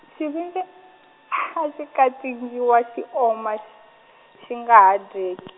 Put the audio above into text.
xivindzi, a xi katingiwa xi oma, xi nga ha dyeki.